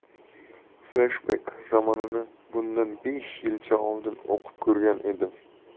fleshbek romanini bundan besh yilcha oldin o'qib ko'rgan edim